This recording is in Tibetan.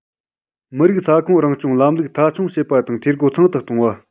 མི རིགས ས ཁོངས རང སྐྱོང ལམ ལུགས མཐའ འཁྱོངས བྱེད པ དང འཐུས སྒོ ཚང དུ གཏོང བ